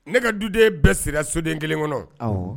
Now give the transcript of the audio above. Ne ka duden bɛɛ siri soden kelen kɔnɔ